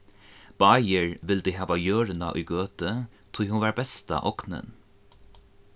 báðir vildu hava jørðina í gøtu tí hon var besta ognin